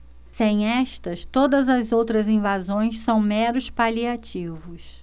sem estas todas as outras invasões são meros paliativos